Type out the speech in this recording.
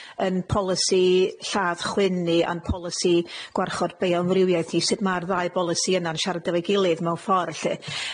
'yn polisi lladd chwyn ni, a'n polisi gwarchod bioamrywiaeth ni, sud ma'r ddau bolisi yna'n siarad efo'i gilydd mewn ffor lly.